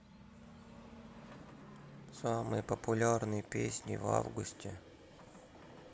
самые популярные песни в августе